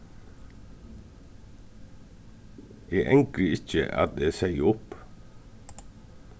eg angri ikki at eg segði upp